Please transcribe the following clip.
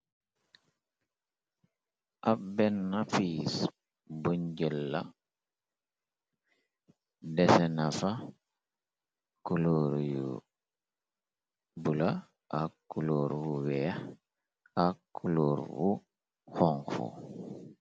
Ap benna piis bun jel la, desenafa kuloor yu bula ak kuloor bu weex ak kuloor bu xonku.